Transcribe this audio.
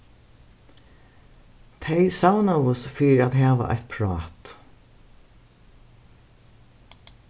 tey savnaðust fyri at hava eitt prát